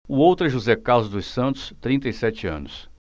o outro é josé carlos dos santos trinta e sete anos